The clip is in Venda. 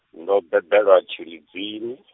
ndo bebelwa Tshilidzini.